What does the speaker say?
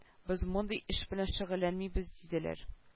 Без мондый эш белән шөгыльләнмибез диделәр